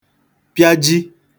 pịaji